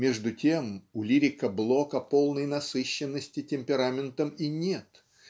между тем у лирика Блока полной насыщенности темпераментом и нет.